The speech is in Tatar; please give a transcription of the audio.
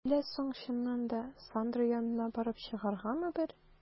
Әллә соң чыннан да, Сандра янына барып чыгаргамы бер?